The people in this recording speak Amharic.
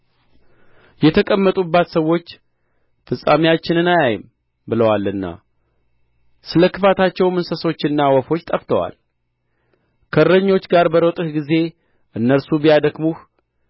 የተቀመጡባት ሰዎች ፍጻሜያችንን አያይም ብለዋልና ስለ ክፋታቸው እንስሶችና ወፎች ጠፍተዋል ከእግረኞች ጋር በሮጥህ ጊዜ እነርሱ ቢያደክሙህ